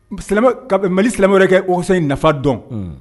Ub silamɛw ka be Mali silamɛw yɛrɛ kɛ Haut Conseil nafa dɔn unhun